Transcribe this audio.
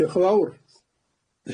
Diolch yn fawr.